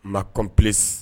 Ma kobilen